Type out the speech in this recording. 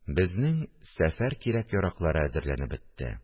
Безнең сәфәр кирәк-яраклары хәзерләнеп бетте